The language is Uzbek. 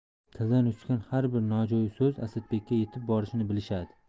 tildan uchgan har bir nojo'ya so'z asadbekka yetib borishini bilishadi